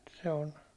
se on